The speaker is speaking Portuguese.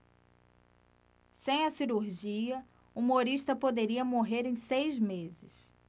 sem a cirurgia humorista poderia morrer em seis meses